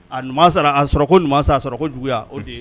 A ɲuman sara, a sɔrɔ ko ɲuman sa , a sɔrɔ ko juguya o de ye